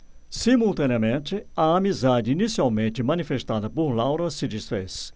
simultaneamente a amizade inicialmente manifestada por laura se disfez